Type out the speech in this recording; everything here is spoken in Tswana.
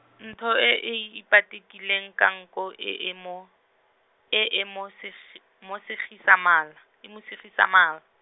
ntho e e ipatikileng ka nko e e mo, e e mo segi-, mo segisa mala, e mo segisa mala.